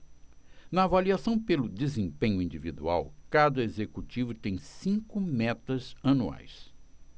na avaliação pelo desempenho individual cada executivo tem cinco metas anuais